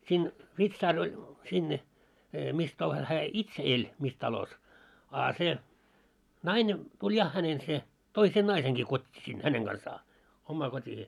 siinä vitsaari oli sinne missä talossa hän itse eli missä talossa a se nainen tuli ja hänen se toi sen naisenkin kotiin sinne hänen kanssaan omaan kotiinsa